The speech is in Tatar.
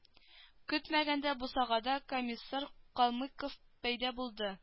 Көтмәгәндә бусагада комиссар калмыков пәйда булды